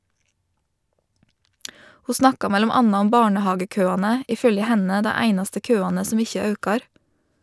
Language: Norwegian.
Ho snakka mellom anna om barnehagekøane, i følgje henne dei einaste køane som ikkje aukar.